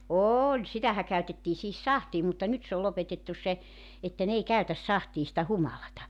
oli sitähän käytettiin siihen sahtiin mutta nyt se on lopetettu se että ne ei käytä sahtiin sitä humalaa